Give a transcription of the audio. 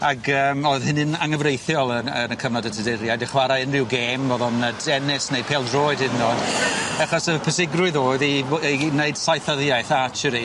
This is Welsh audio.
Ag yym o'dd hynny'n angyfreithiol yn yn y cyfnod y Tuduriaid i chwarae unryw gêm o'dd o'n yy denis neu pêl-droed hyd yn o'd achos y persigrwydd o'dd i w- i neud saithyddiaith archery.